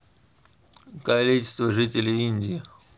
количество жителей индии